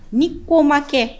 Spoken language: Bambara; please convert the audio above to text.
Ni ko ma kɛ.